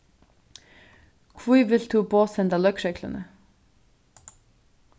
hví vilt tú boðsenda løgregluni